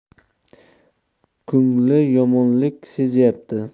ko'ngli yomonlik sezyapti